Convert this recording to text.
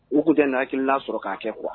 U tun tɛ na hakilikila sɔrɔ k'a kɛ kuwa